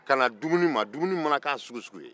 ka na dumuni ma dumuni mana k'a sugu sugu ye